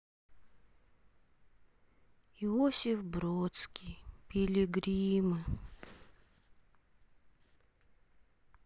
иосиф бродский пилигримы